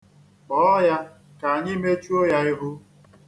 Kpọọ ya ka anyị mechuo ya ihu.